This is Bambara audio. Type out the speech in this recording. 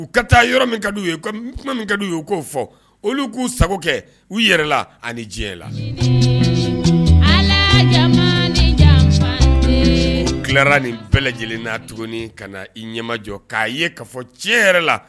U ka taa yɔrɔ min ka u min ka u u k'o fɔ olu k'u sago kɛ u yɛrɛ la ani diɲɛ la tilara nin bɛɛ lajɛlen na tuguni ka na i ɲɛmajɔ k'a ye ka fɔ cɛ yɛrɛ la